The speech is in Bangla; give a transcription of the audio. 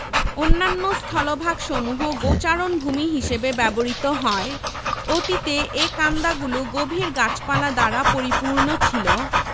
অন্যান্য স্থলভাগসমূহ গোচারণভূমি হিসেবে ব্যবহৃত হয় অতীতে এ কান্দাগুলো গভীর গাছপালা দ্বারা পরিপূর্ণ ছিল